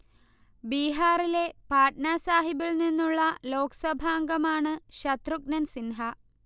ബീഹാറിലെ പാട്ന സാഹിബിൽ നിന്നുള്ള ലോക്സഭാംഗമാണ് ശത്രുഘ്നൻ സിൻഹ